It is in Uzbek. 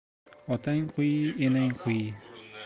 otang qui enang qui